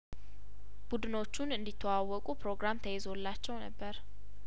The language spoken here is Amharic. ቡድኖቹን እንዲ ተዋወቁ ፕሮግራም ተይዞላቸው ነበር